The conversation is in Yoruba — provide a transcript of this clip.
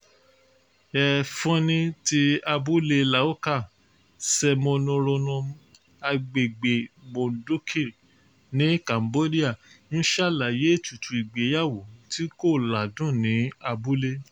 Hea Phoeun ti abúlé Laoka, Senmonorom, agbègbè Mondulkiri ní Cambodia ń ṣàlàyé ètùtù ìgbéyàwó tí kò ládùn ní abúlé.